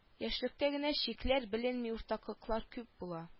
Яшьлектә генә чикләр беленми уртаклыклар күп була